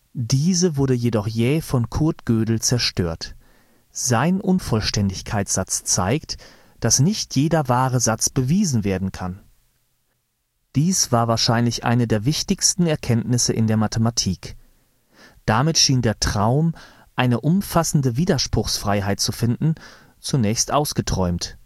Diese wurde jedoch jäh von Kurt Gödel zerstört. Sein Unvollständigkeitssatz zeigt, dass nicht jeder wahre Satz bewiesen werden kann. Dies war wahrscheinlich eine der wichtigsten Erkenntnisse in der Mathematik. Damit schien der Traum, eine umfassende Widerspruchsfreiheit zu finden, zunächst ausgeträumt